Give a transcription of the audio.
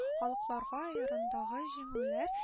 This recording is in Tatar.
Халыкларга айрэндагы җиңүләр